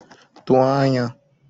tọ̀ anyā